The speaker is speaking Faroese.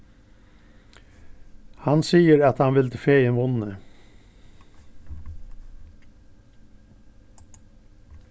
hann sigur at hann vildi fegin vunnið